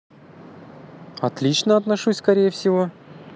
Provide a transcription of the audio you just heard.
отлично отношусь скорее